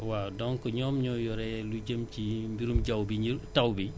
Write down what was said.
waa donc ñoom ñoo yore lu jëm ci mbirum jaww bi ñu taw bi